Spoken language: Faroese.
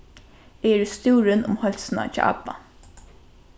eg eri stúrin um heilsuna hjá abba